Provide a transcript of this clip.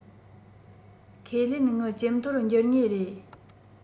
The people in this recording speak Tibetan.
ཁས ལེན དངུལ ཇེ མཐོར འགྱུར ངེས རེད